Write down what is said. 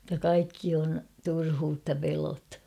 että kaikki on turhuutta pelot